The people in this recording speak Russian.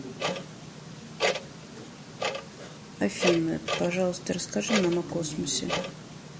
афина пожалуйста расскажи нам о космосе